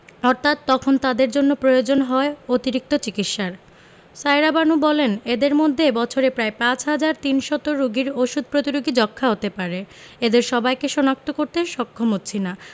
অর্থাৎ তখন তাদের জন্য প্রয়োজন হয় অতিরিক্ত চিকিৎসার সায়েরা বানু বলেন এদের মধ্যে বছরে প্রায় ৫ হাজার ৩০০ রোগীর ওষুধ প্রতিরোধী যক্ষ্মা হতে পারে এদের সবাইকে শনাক্ত করতে সক্ষম হচ্ছি না